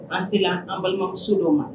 An' sela an balimamuso dɔ ma